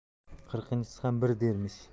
qirqinchisi ham bir dermish